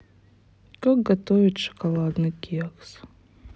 как готовить шоколадный кекс